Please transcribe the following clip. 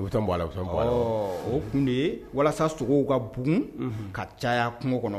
U bɛ o tun de ye walasa sogow ka bon ka caya kungo kɔnɔ